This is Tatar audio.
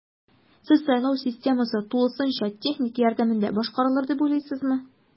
Сез сайлау системасы тулысынча техника ярдәмендә башкарарылыр дип уйлыйсызмы?